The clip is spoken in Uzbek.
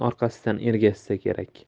orqasidan ergashsa kerak